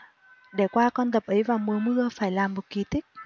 để qua con đập ấy vào mùa mưa phải là một kỳ tích